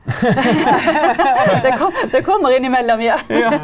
det det kommer innimellom, ja.